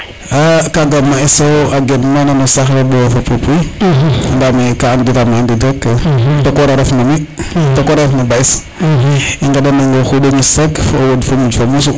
a kaga ma es o a gen mana no saax le Mbofa Poupouy anda me ka an diram a ndid rek tokor a ref na mi tokor a ref no ba'es i ngenda nang o xuɗo ñis rek fo o wod fo o muj fo mosu